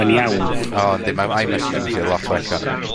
yn iawn. O, yndi ma' I Messages yn weithio lot well ŵan.